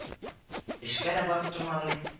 — эшкә дә барып тормадым